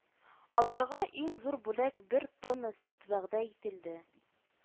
Аларга иң зур бүләк бер тонна сөт вәгъдә ителде